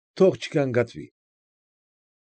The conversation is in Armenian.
Թող չգանգատվի։